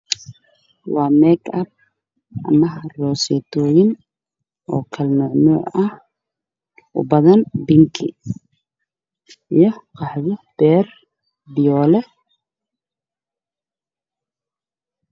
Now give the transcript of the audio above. Wa mek ab iyo rose toyin kla noc noc ah u badan bingi iyo qaxwi ber